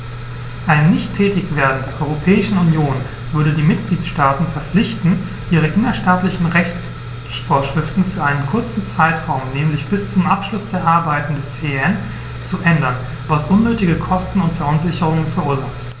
Ein Nichttätigwerden der Europäischen Union würde die Mitgliedstaten verpflichten, ihre innerstaatlichen Rechtsvorschriften für einen kurzen Zeitraum, nämlich bis zum Abschluss der Arbeiten des CEN, zu ändern, was unnötige Kosten und Verunsicherungen verursacht.